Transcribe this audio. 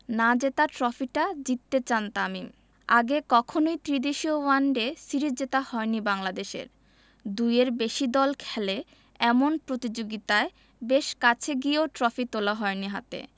নাজেতা ট্রফিটা জিততে চান তামিম আগে কখনোই ত্রিদেশীয় ওয়ানডে সিরিজ জেতা হয়নি বাংলাদেশের দুইয়ের বেশি দল খেলে এমন প্রতিযোগিতায় বেশ কাছে গিয়েও ট্রফি তোলা হয়নি হাতে